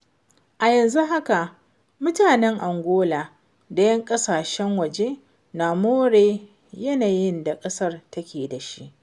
A yanzu haka, mutanen Angola da 'yan ƙasashen waje na more yanayin da ƙasar take da shi.